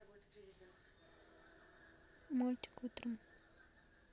мультик утром